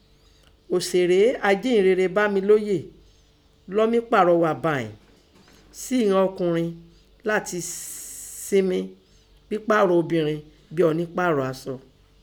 Òṣèré ajíhìnrere Bámilóyè lọ́ mí pàrọghà báìín sẹ́ ìnọn ọkùnrin láti sẹmi pẹ́pààrọ̀ obìrin bín ọni pààrọ̀ asọ.